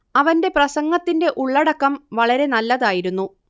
അവന്റെ പ്രസംഗത്തിന്റെ ഉള്ളടക്കം വളരെ നല്ലതായിരുന്നു